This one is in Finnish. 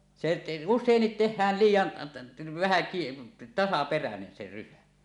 se usein tehdään liian vähän - tasaperäinen se rysä